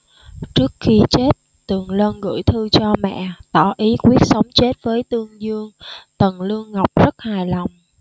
trước khi chết tường lân gửi thư cho mẹ tỏ ý quyết sống chết với tương dương tần lương ngọc rất hài lòng